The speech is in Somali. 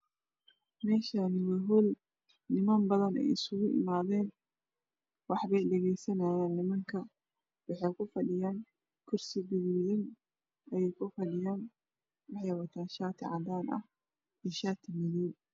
Meeshaani waa meel niman badan isugu imaadeen waxay dhagaysanayaan nimanka waxay ku fadhiyaan kursi gaduudan waxay wataan shaati cadaan ah iyo shaati madow